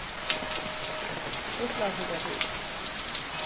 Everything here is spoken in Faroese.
upplatingartíðir